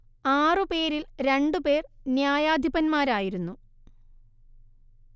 ആറു പേരിൽ രണ്ടുപേർ ന്യായാധിപന്മാരായിരുന്നു